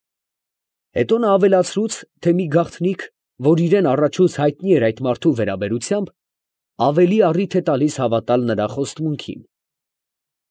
Հետո նա ավելացրուց, թե մի գաղտնիք, որ իրան առաջուց հայտնի էր այն մարդու վերաբերությամբ, ավելի առիթ է տալիս հավատալ նրա խոստմունքին։